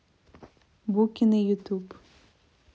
букины ютуб